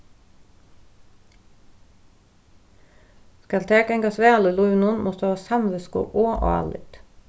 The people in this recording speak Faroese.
skal tær gangast væl í lívinum mást tú hava samvitsku og álit